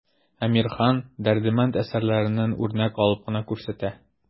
Әмирхан, Дәрдемәнд әсәрләреннән үрнәк алып кына күрсәтә.